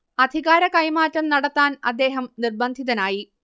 അധികാര കൈമാറ്റം നടത്താൻ അദ്ദേഹം നിർബന്ധിതനായി